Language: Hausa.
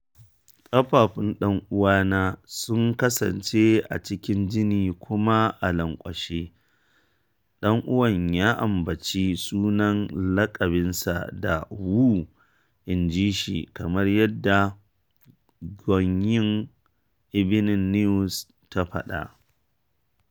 “Ƙafafun dan uwana sun kasance a cikin jini kuma a lanƙwashe,” ɗan uwan ya ambaci sunan laƙabinsa da “Wu” inji shi, kamar yadda Guiyang Evening News ta fada.